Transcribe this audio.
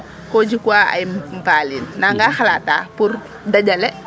ko jik wa ay paal lin nanga xalata pour dajale